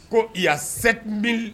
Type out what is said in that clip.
Ko yan se bɛ